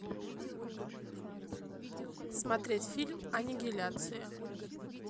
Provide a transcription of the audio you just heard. смотреть фильм аннигиляция